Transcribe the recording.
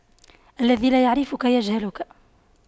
الذي لا يعرفك يجهلك